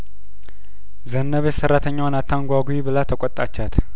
ዘነበች ሰራተኛዋን አታንጓጉ ብላ ተቆጣቻት